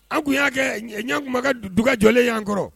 A ko y'a kɛ ɲkuma ka dugjɔlen y' kɔrɔ